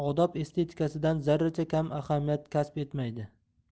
odob estetikasidan zarracha kam ahamiyat kasb etmaydi